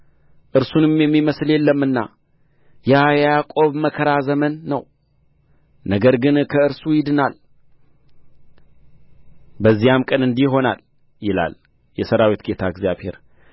እርሱንም የሚመስል የለምና ያ የያዕቆብ መከራ ዘመን ነው ነገር ግን ከእርሱ ይድናል በዚያ ቀን እንዲህ ይሆናል ይላል የሠራዊት ጌታ እግዚአብሔር